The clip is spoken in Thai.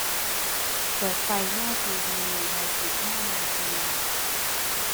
เปิดไฟหน้าทีวีในอีกห้านาที